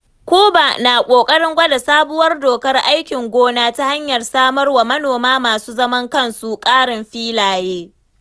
Cuba na ƙoƙarin gwada sabuwar dokar aikin gona ta hanyar samar wa manoma masu zaman kansu ƙarin filaye.